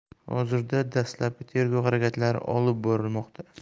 hozirda dastlabki tergov harakatlari olib borilmoqda